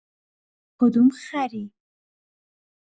کدوم خری